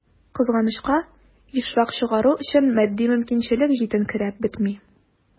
Кызганычка, ешрак чыгару өчен матди мөмкинчелек җитенкерәп бетми.